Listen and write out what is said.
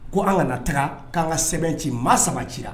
Ko an kana taga ko'an ka sɛbɛn ci maa saba ci